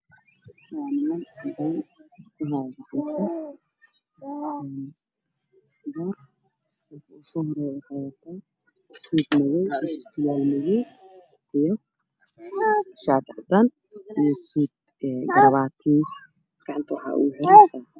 Waa niman cadaan waxay wataan bur ka ugu soo horeeya wuxuu wataan suud madaw iyo suwaal madaw iyo shaati cadaan iyo suud garabaati gacanta waxaa ugu xidhan saacad